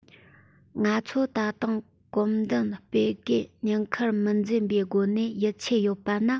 ང ཚོ ད དུང གོམ མདུན སྤོས སྒོས ཉེན ཁར མི འཛེམ པའི སྒོ ནས ཡིད ཆེས ཡོད པ ནི